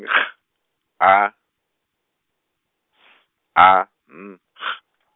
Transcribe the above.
G A, S A N G .